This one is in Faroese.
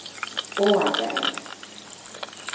áargarður